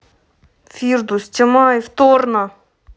фирдус тямаев торна